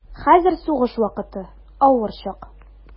Хәзер сугыш вакыты, авыр чак.